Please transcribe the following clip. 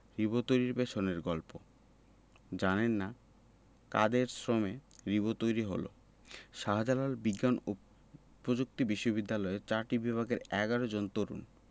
রিবো তৈরির পেছনের গল্প জানেন না কাদের শ্রমে রিবো তৈরি হলো শাহজালাল বিজ্ঞান ও প্রযুক্তি বিশ্ববিদ্যালয়ের চারটি বিভাগের ১১ জন তরুণ